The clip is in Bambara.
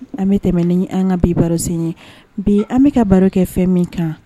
An bɛ tɛmɛ ni an ka bi barosen ye bi an bɛka ka baro kɛ fɛn min kan